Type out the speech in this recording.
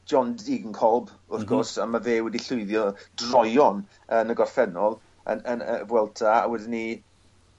John Degenkolb wrth gwrs a ma' y fe wedi llwyddio troeon yn y gorffennol yn yn yy y Vuelta a wedyn 'ny